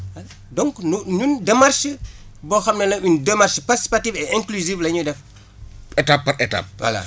donc nous ñun démarches yi boo xam ne la une démarche participative et inclusive la ñuy def étape par étape voilà